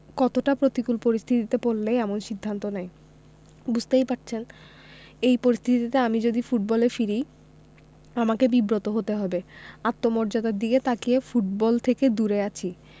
কতটা প্রতিকূল পরিস্থিতিতে পড়লে এমন সিদ্ধান্ত নেয় বুঝতেই পারছেন এই পরিস্থিতিতে আমি যদি ফুটবলে ফিরি আমাকে বিব্রত হতে হবে আত্মমর্যাদার দিকে তাকিয়ে ফুটবল থেকে দূরে আছি